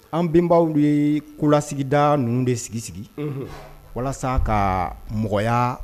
An bɛnbaw ye kolasigida ninnu de sigi sigi; Unhun; Walasa ka mɔgɔya